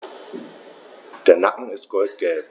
Der Nacken ist goldgelb.